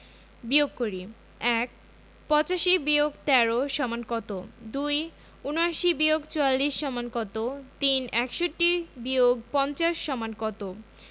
বিয়োগ করিঃ ১ ৮৫-১৩ = কত ২ ৭৯-৪৪ = কত ৩ ৬১-৫০ = কত